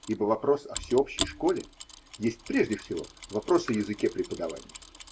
Ибо вопрос о всеобщей школе есть прежде всего вопрос о языке преподавания.